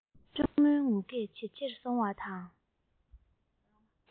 གཅུང མོའི ངུ སྐད ཇེ ཆེར སོང བ དང